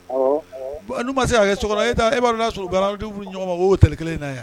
N ma se ka kɛ e'a y'a sɔrɔ garan du furu ɲɔgɔn ma'o tɛ kelen in na yan